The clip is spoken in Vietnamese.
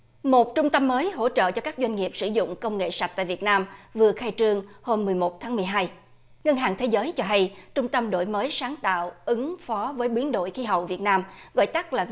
một trung tâm mới hỗ trợ cho các doanh nghiệp sử dụng công nghệ sạch tại việt nam vừa khai trương hôm mười một tháng mười hai ngân hàng thế giới cho hay trung tâm đổi mới sáng tạo ứng phó với biến đổi khí hậu việt nam gọi tắt là